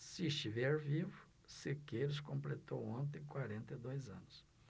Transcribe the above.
se estiver vivo sequeiros completou ontem quarenta e dois anos